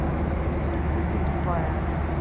и ты тупая